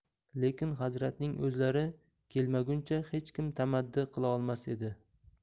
lekin hazratning o'zlari kelmaguncha hech kim tamaddi qila olmas edi